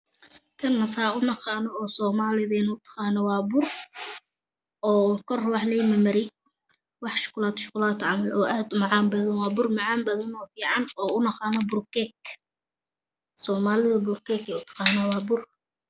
Kana saa unaqaano oo soomaliya utaqano waa bur oo kor wax laga mar mariyay waxa shukulaato shukaalato camal ah oo aad umacaan badan waa bur aad u macan badan oo aan unaqano bur keek soomaalida bur keek bey utaqanaa waa bur